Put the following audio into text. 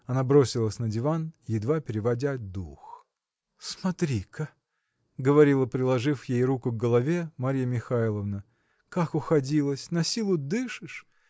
Она бросилась на диван, едва переводя дух. – Смотри-ка! – говорила приложив ей руку к голове Марья Михайловна – как уходилась насилу дышишь.